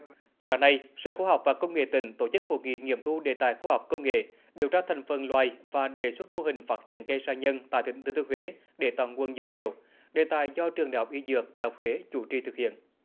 sáng nay sở khoa học và công nghệ tỉnh tổ chức hội nghị nghiệm thu đề tài khoa học công nghệ điều tra thành phần loài và đề xuất mô hình phát triển cây sa nhân tại tỉnh thừa thiên huế để tạo nguồn dược liệu đề tài do trường đại học y dược đại học huế chủ trì thực hiện